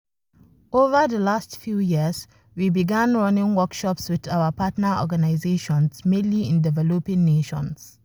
Over the last few years, we began running workshops with our partner organizations, mainly in developing nations.